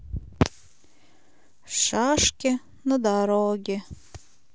шашки на дороге